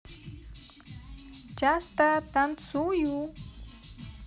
часто танцую